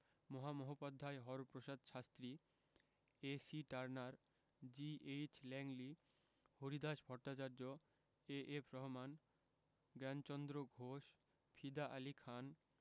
Mahamahopadhyay Haraprasad Shastri A C Turner G H Langley Haridas Bhattacharya A F Rahman Gyanchandra Ghosh Fida Ali Khan